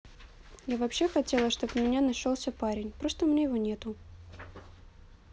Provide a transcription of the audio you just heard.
я вообще хотела чтобы у меня нашелся парень просто у меня его нету